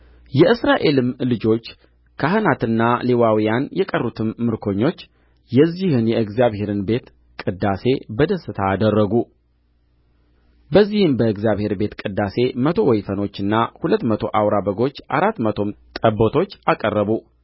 የእስራኤልም ልጆች ካህናትና ሌዋውያን የቀሩትም ምርኮኞች የዚህን የእግዚአብሔርን ቤት ቅዳሴ በደስታ አደረጉ በዚህም በእግዚአብሔር ቤት ቅዳሴ መቶ ወይፈኖችና ሁለት መቶ አውራ በጎች አራት መቶም ጠቦቶች አቀረቡ